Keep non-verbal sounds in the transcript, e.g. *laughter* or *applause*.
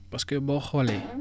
parce que boo xoolee *noise*